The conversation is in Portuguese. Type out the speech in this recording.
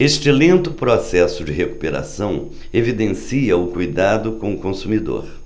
este lento processo de recuperação evidencia o cuidado com o consumidor